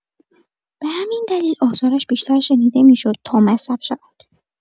به همین دلیل، آثارش بیشتر شنیده می‌شد تا مصرف شود.